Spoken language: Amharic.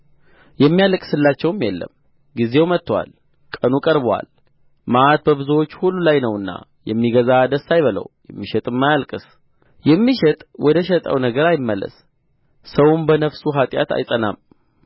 የሚያለቅስላቸውም የለም ጊዜው መጥቶአል ቀኑ ቀርቦአል መዓት በብዙዎች ሁሉ ላይ ነውና የሚገዛ ደስ አይበለው የሚሸጥም አያልቅስ የሚሸጥ ወደሸጠው ነገር አይመለስም ሰውም በነፍሱ ኃጢአት አይጸናም